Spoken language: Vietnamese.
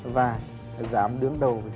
và dám đương đầu với